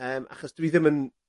Yym achos dwi ddim yn